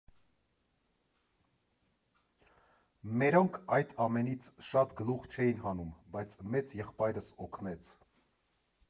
Մերոնք այդ ամենից շատ գլուխ չէին հանում, բայց մեծ եղբայրս օգնեց։